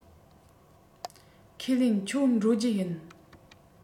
ཁས ལེན ཁྱོད འགྲོ རྒྱུ ཡིན